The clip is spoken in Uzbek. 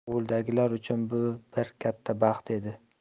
ovuldagilar uchun bu bir katta baxt edi